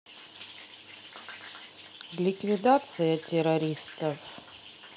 ликвидация террористов